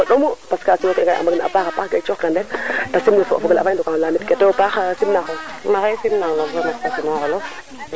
mais manam ke ando naye teno maaf ra ndel ke tax na o utiliser a koca maaka le xija teen cono a teen o feeto la feet nanag ga a teen manam ka barke na